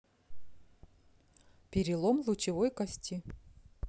перелом лучевой кости